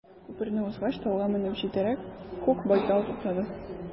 Күперне узгач, тауга менеп җитәрәк, күк байтал туктады.